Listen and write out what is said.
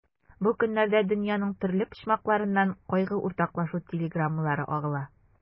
Бу көннәрдә дөньяның төрле почмакларыннан кайгы уртаклашу телеграммалары агыла.